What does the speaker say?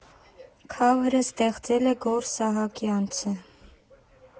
Քավըրը ստեղծել է Գոռ Սահակյանցը։